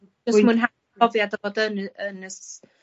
...jyst mwynhau profiad o bod yn yn y s- s-